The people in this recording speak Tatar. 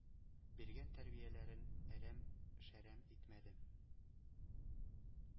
Биргән тәрбияләрен әрәм-шәрәм итмәдем.